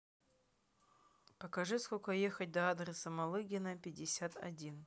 покажи сколько ехать до адреса малыгина пятьдесят один